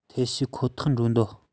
ཐབས ཤེས ཁོ ཐག འགྲོ འདོད